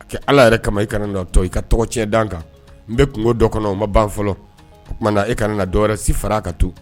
A' ala yɛrɛ kama i ka tɔ i ka tɔgɔ cɛ da kan n bɛ kungo dɔ kɔnɔ n ma ban fɔlɔ tuma na e ka ka dɔwɛrɛ si fara ka to